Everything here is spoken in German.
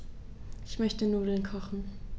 Ich möchte Nudeln kochen.